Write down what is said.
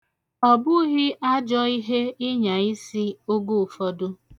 Ọbụghị ajọ ihe ịnya isi oge ụfọdụ.